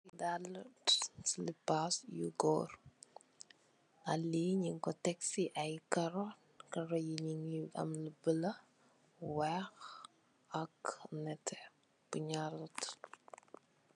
Dali silipas yu gorr. Daliye nu ko tek si karo yu an yu bolo weyh ak nette.